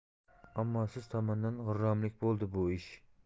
ammo siz tomondan g'irromlik bo'ldi bu ish